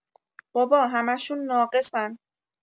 بابا همشون ناقصن